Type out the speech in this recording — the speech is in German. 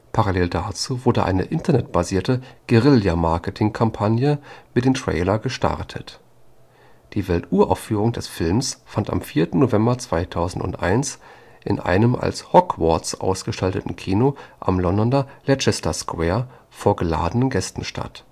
Parallel dazu wurde eine internetbasierte Guerilla-Marketing-Kampagne mit dem Trailer gestartet. Die Welturaufführung des Films fand am 4. November 2001 in einem als Hogwarts umgestalteten Kino am Londoner Leicester Square vor geladenen Gästen statt